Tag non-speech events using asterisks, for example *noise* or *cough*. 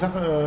*hesitation* *hesitation*